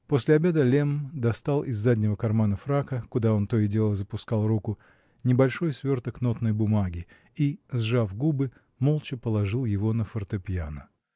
После обеда Лемм достал из заднего кармана фрака, куда он то и дело запускал руку, небольшой сверток нотной бумаги и, сжав губы, молча положил его на фортепьяно.